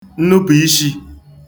nnupụ̀ishī